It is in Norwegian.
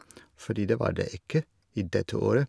Fordi det var det ikke i dette året.